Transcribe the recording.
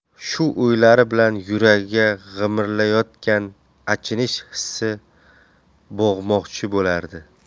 shu o'ylari bilan yuragida g'imirlayotgan achinish hissini bo'g'moqchi bo'lardi